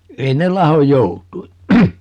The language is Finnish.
ei ne lahoa joutuin